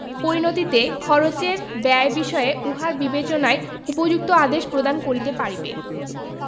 পরিণতিতে খরচের ব্যয় বিষয়ে উহার বিবেচনায় উপযুক্ত আদেশ প্রদান করিতে পারিবে